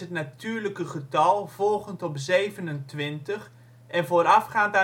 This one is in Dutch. natuurlijke getal volgend op 27 en voorafgaand